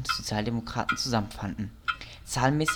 Sozialdemokraten zusammenfanden. Zahlenmäßig